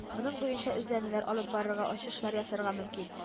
Моның буенча эзләнүләр алып барырга, ачышлар ясарга мөмкин